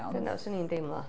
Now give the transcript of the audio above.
Dyna byswn i'n deimlo.